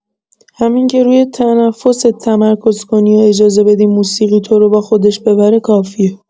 همین که روی تنفست تمرکز کنی و اجازه بدی موسیقی تو رو با خودش ببره کافیه.